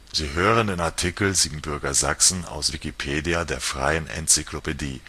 Sie hören den Artikel Siebenbürger Sachsen, aus Wikipedia, der freien Enzyklopädie